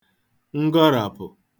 ngọràpụ̀